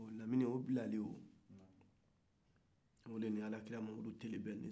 lamini o bilali wo o de ni alakira tile bɛnna